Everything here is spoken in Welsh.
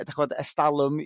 Yrr d'ch'mod ersdalwm